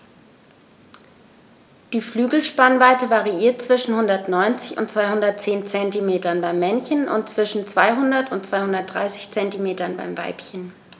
Die Flügelspannweite variiert zwischen 190 und 210 cm beim Männchen und zwischen 200 und 230 cm beim Weibchen.